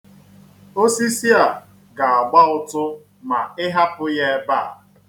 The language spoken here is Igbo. Osisi a ga-agba ụtụ ma ị hapụ ya ebe a.